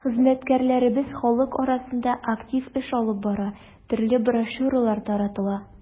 Хезмәткәрләребез халык арасында актив эш алып бара, төрле брошюралар таратыла.